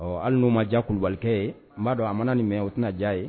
Ɔ hali n'u ma diya kulubalikɛ ye n b'a dɔn a mana nin mɛ o tɛna diya ye.